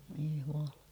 voi Jumala